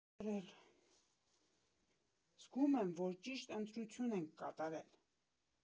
֊Զգում եմ, որ ճիշտ ընտրություն ենք կատարել։